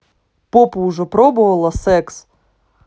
попу уже пробовала секс